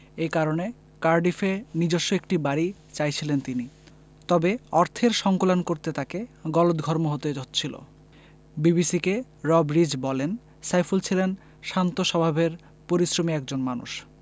এ কারণে কার্ডিফে নিজস্ব একটি বাড়ি চাইছিলেন তিনি তবে অর্থের সংকুলান করতে তাঁকে গলদঘর্ম হতে হচ্ছিল বিবিসিকে রব রিজ বলেন সাইফুল ছিলেন শান্ত স্বভাবের পরিশ্রমী একজন মানুষ